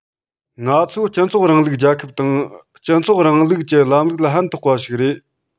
ང ཚོའི སྤྱི ཚོགས རིང ལུགས རྒྱལ ཁབ དང སྤྱི ཚོགས རིང ལུགས ཀྱི ལམ ལུགས ལ ཕན ཐོགས པ ཞིག རེད